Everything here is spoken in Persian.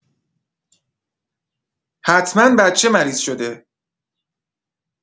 حتما بچه مریض شده.